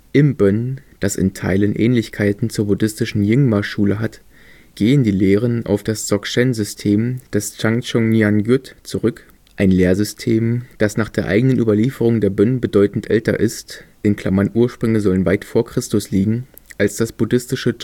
Bön, das in Teilen Ähnlichkeiten zur buddhistischen Nyingma-Schule hat, gehen die Lehren auf das Dzogchen-System des Zhang Zhung Nyan Gyud zurück, ein Lehrsystem, das nach der eigenen Überlieferung der Bön bedeutend älter ist (Ursprünge sollen weit v. Chr. liegen) als das buddhistische